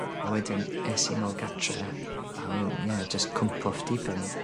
A weden es i nôl gartre a weyn ie jyst cwmpo off dibyn.